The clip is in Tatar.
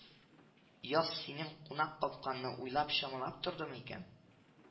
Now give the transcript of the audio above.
Яз синең кунак капкаңны уйлап-чамалап тордымы икән